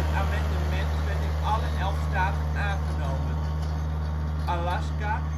amendement werd in alle elf staten aangenomen. Alaska